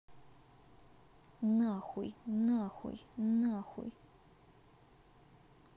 нахуй нахуй нахуй